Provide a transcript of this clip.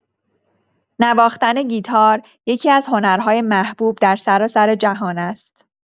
نواختن گیتار یکی‌از هنرهای محبوب در سراسر جهان است.